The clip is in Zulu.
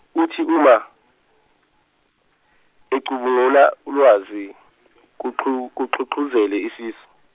athi uma, ecubungula ulwazi, kuxhu- kuxhuxhuzele isisu.